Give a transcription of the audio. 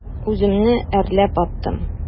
Үземне әрләп аттым.